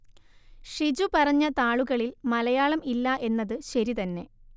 ഷിജു പറഞ്ഞ താളുകളിൽ മലയാളം ഇല്ല എന്നത് ശരി തന്നെ